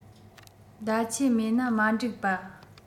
མདའ ཆས མེད ན མ འགྲིག པ